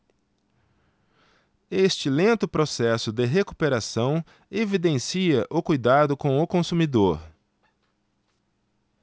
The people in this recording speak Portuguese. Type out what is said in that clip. este lento processo de recuperação evidencia o cuidado com o consumidor